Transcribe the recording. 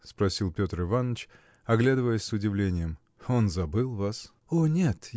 – спросил Петр Иваныч, оглядываясь с удивлением. – Он забыл вас. – О нет!